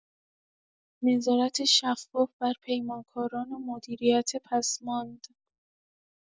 نظارت شفاف بر پیمانکاران مدیریت پسماند